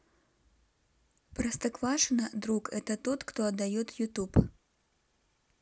простоквашино друг это тот кто отдает youtube